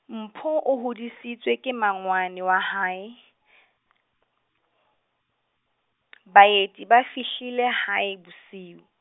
Mpho o hodisitswe ke mmangwanae , Baeti ba fihlile hae bosiu.